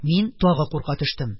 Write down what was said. Мин тагы курка төштем.